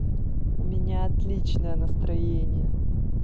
у меня отличное настроение